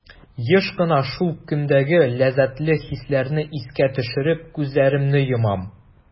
Еш кына шул көндәге ләззәтле хисләрне искә төшереп, күзләремне йомам.